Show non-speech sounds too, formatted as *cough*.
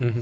*hesitation* *hesitation*